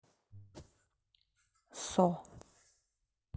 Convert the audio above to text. so